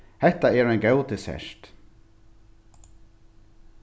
hetta er ein góð dessert